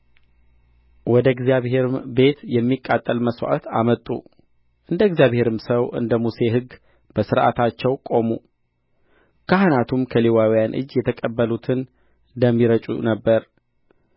ወደ እግዚአብሔርም ቤት የሚቃጠል መሥዋዕት አመጡ እንደ እግዚአብሔርም ሰው እንደ ሙሴ ሕግ በሥርዓታቸው ቆሙ ካህናቱም ከሌዋውያን እጅ የተቀበሉትን ደም ይረጩ ነበር